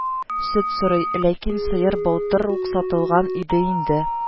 Сөт сорый, ләкин сыер былтыр ук сатылган иде инде